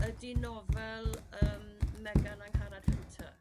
ydy nofel yrm Megan Angharad Hunter.